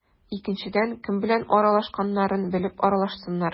Икенчедән, кем белән аралашканнарын белеп аралашсыннар.